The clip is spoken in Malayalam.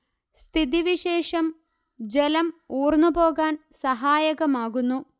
സ്ഥിതിവിശേഷം ജലം ഊർന്നു പോകാൻ സഹായകമാകുന്നു